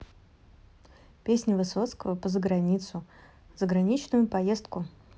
песня высоцкого про заграницу заграничную поездку